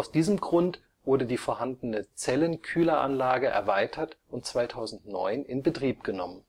diesem Grund wurde die vorhandene Zellenkühleranlage erweitert und 2009 in Betrieb genommen